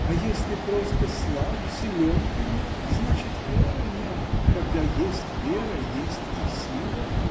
А если просто слаб, силенки нет, значит веры нет: когда есть вера, есть и сила.